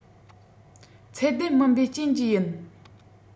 ཚད ལྡན མིན པའི རྐྱེན གྱིས ཡིན